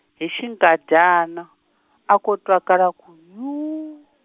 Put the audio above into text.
hi xinkadyana, a ko twakala ku yuu .